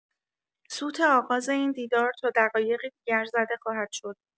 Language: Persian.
سوت آغاز این دیدار تا دقایقی دیگر زده خواهد شد.